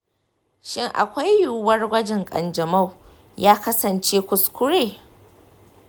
shin akwai yiwuwar gwajin kanjamau ya kasance kuskure?